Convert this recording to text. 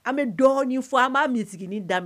An bɛ dɔgɔn fɔ an b'a min sigilen daminɛ